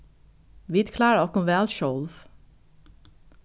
vit klára okkum væl sjálv